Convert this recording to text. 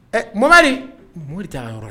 Ɛ mamari mo t yɔrɔ